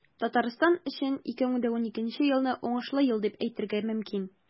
Татарстан өчен 2012 елны уңышлы ел дип әйтергә мөмкин.